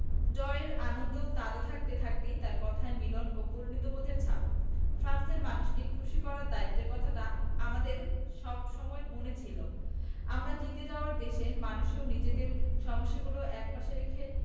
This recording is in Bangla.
জয়ের আনন্দ তাজা থাকতে থাকতেই তাঁর কথায়ও মিলল পরিণতিবোধের ছাপ ফ্রান্সের মানুষকে খুশি করার দায়িত্বের কথাটা আমাদের সব সময়ই মনে ছিল আমরা জিতে যাওয়ায় দেশের মানুষও নিজেদের সমস্যাগুলো একপাশে রেখে